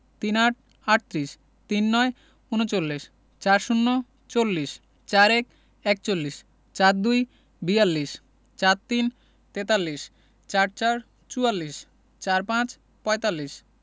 ৩৮ - আটত্রিশ ৩৯ - ঊনচল্লিশ ৪০ - চল্লিশ ৪১ - একচল্লিশ ৪২ - বিয়াল্লিশ ৪৩ - তেতাল্লিশ ৪৪ – চুয়াল্লিশ ৪৫ - পঁয়তাল্লিশ